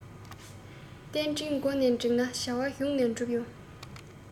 རྟེན འབྲེལ མགོ ནས འགྲིག ན བྱ བ གཞུག ནས འགྲུབ ཡོང